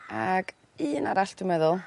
ag un arall dwi'n meddwl